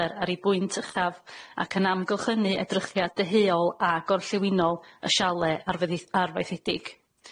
ar ei bwynt uchaf ac yn amgylchynu edrychiad deheuol a gorllewinol y siale arfyddi- arfaethedig.